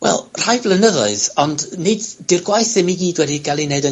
Wel, rhai blynyddoedd, ond nid... 'Di'r gwaith ddim i gyd wedi ga'l 'i neud yng